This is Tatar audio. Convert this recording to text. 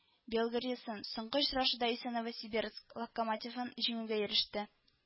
Белогорьесын, соңгы очрашуда исә Новосибирск Локомотивын җиңүгә иреште